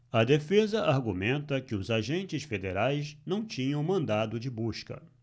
a defesa argumenta que os agentes federais não tinham mandado de busca